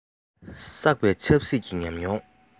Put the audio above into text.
བསགས པའི ཆབ སྲིད ཀྱི ཉམས མྱོང